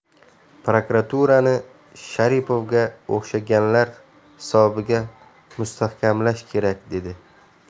prokuraturani sharipovga o'xshaganlar hisobiga mustahkamlash kerak dedi